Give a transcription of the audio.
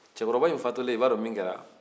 cɛkɔrɔba in fatulen ib'a don min kɛra